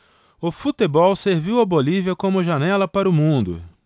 o futebol serviu à bolívia como janela para o mundo